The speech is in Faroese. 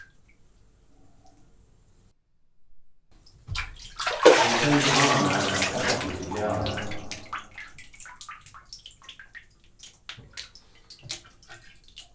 eg kenni á mær at okkurt er galið